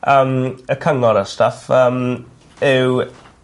yym y cyngor a stuff yym yw